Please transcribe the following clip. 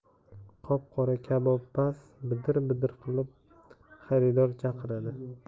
qop qora kabobpaz bidir bidir qilib xaridor chaqiradi